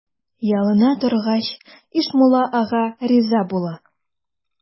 Ялына торгач, Ишмулла ага риза була.